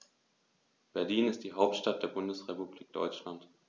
Berlin ist die Hauptstadt der Bundesrepublik Deutschland.